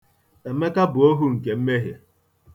Emeka bụ ohu nke mmehie.